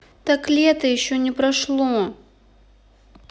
так лето еще не прошло